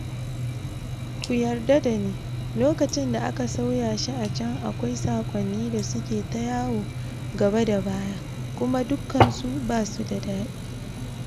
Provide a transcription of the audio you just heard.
Ku yarda da ni, lokacin da aka sauya shi a can akwai sakonni da suke ta yawo gaba da baya kuma dukansu ba su da dadi.